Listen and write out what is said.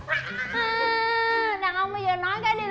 ha đàn ông bây giờ nói cái đi